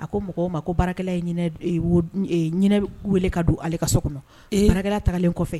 A ko mɔgɔw ma ko baarakɛla wele ka don ale ka so kɔnɔ ee baarakɛla tagalen kɔfɛ